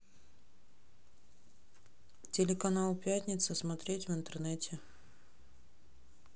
телеканал пятница смотреть в интернете